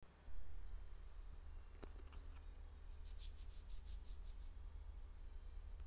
непосредственно каха крутой еще круче